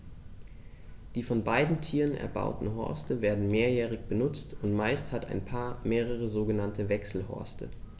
Die von beiden Tieren erbauten Horste werden mehrjährig benutzt, und meist hat ein Paar mehrere sogenannte Wechselhorste.